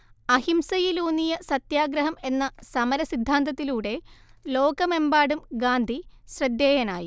അഹിംസയിലൂന്നിയ സത്യാഗ്രഹം എന്ന സമര സിദ്ധാന്തത്തിലൂടെ ലോകമെമ്പാടും ഗാന്ധി ശ്രദ്ധേയനായി